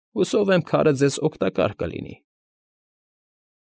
Հուսով եմ, քարը ձեզ օգտակար կլինի։